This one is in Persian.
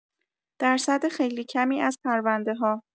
درصد خیلی کمی از پرونده‌‌ها